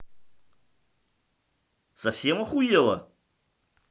совсем охуела